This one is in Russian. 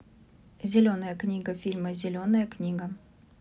зеленая книга фильм зеленая книга